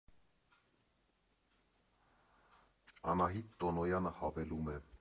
Անահիտ Տոնոյանը հավելում է.